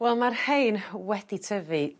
Wel ma'r rhein wedi tyfu